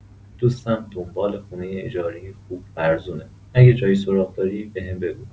دوستم دنبال خونه اجاری خوب و ارزونه، اگه جایی سراغ داری بهم بگو.